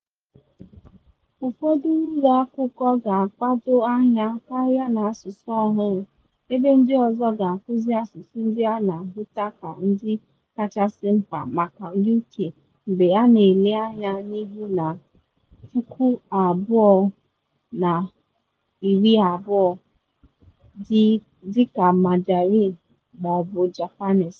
Ụfọdụ ụlọ akwụkwọ ga-agbado anya karịa n’asụsụ ọhụụ, ebe ndị ọzọ ga-akuzi asụsụ ndị a na ahụta ka ndị kachasị mkpa maka UK mgbe a na ele anya n’ihu na 2020, dị ka Mandarin ma ọ bụ Japanese.